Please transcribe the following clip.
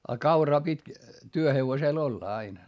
ja kauraa piti työhevosella olla aina